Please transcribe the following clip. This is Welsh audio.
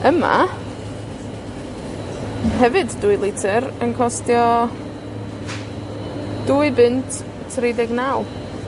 yma, hefyd dwy lityr yn costio dwy bunt, tri deg naw.